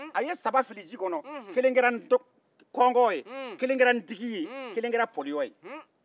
a ye saba fili ji kɔnɔ kelen kɛra nkɔnkɔn ye kelen kɛra ntigin kelen kɛra pɔliyɔ ye